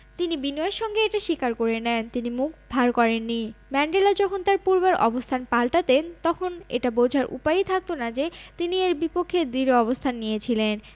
তিনি বিনয়ের সঙ্গে এটা স্বীকার করে নেন তিনি মুখ ভার করেননি ম্যান্ডেলা যখন তাঁর পূর্বের অবস্থান পাল্টাতেন তখন এটা বোঝার উপায়ই থাকত না যে তিনি এর বিপক্ষে দৃঢ় অবস্থান নিয়েছিলেন